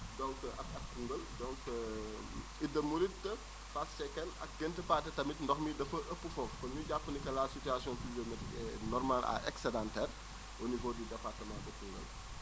donc ak ak Koungheul donc Idda Mouride Fass Cekkeen ak Gént Pathé tamit ndox mi dafa ëpp foofu kon ñu jàpp ni que la situation pluviomètrique est normale à excedentaire au niveau du département de Koungheul